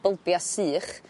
bylbia sych